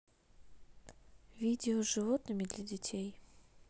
видео с животными для детей